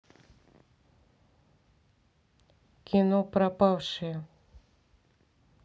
кино пропавшие